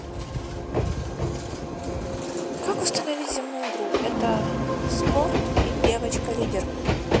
как установить земную игру это спорт и девочка лидер